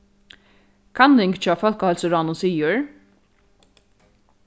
kanning hjá fólkaheilsuráðnum sigur